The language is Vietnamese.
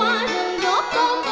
qua